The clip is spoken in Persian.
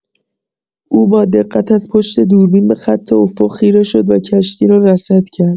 او با دقت از پشت دوربین به‌خط افق خیره شد و کشتی را رصد کرد.